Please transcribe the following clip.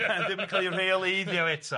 ma'n ddim yn cael ei rheoleiddio eto.